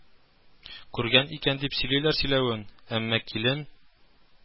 Күргән икән дип сөйлиләр сөйләвен, әмма килен